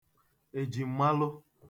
ejimmalụ